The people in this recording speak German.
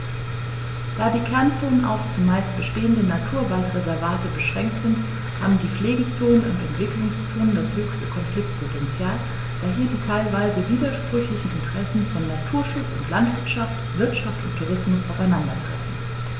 Da die Kernzonen auf – zumeist bestehende – Naturwaldreservate beschränkt sind, haben die Pflegezonen und Entwicklungszonen das höchste Konfliktpotential, da hier die teilweise widersprüchlichen Interessen von Naturschutz und Landwirtschaft, Wirtschaft und Tourismus aufeinandertreffen.